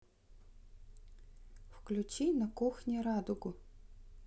включи на кухне радугу